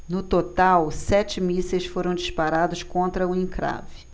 no total sete mísseis foram disparados contra o encrave